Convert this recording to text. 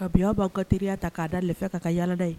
Kabiya ban ka teriya ta k'a dafɛ ka yaada ye